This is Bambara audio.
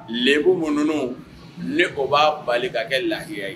leb mununu ni o b'a bali ka kɛ laya ye